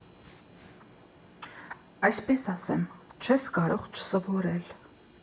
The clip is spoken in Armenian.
Այսպես ասեմ՝ չես կարող չսովորել։